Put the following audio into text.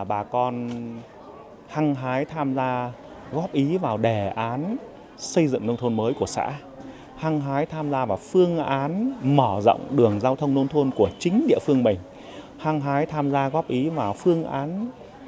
bà con hăng hái tham gia góp ý vào đề án xây dựng nông thôn mới của xã hăng hái tham gia vào phương án mở rộng đường giao thông nông thôn của chính địa phương bảy hăng hái tham gia góp ý mà phương án